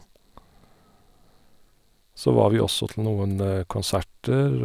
Så var vi også til noen konserter.